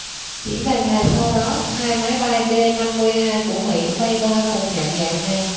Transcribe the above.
chỉ vài ngày sau đó hai máy bay b năm mươi hai của mỹ bay qua vùng nhận dạng này